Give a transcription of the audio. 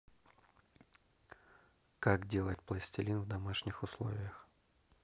как делать пластилин в домашних условиях